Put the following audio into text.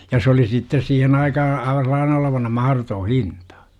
ja se oli sitten siihen aikaan aivan sellainen olevinaan mahdoton hinta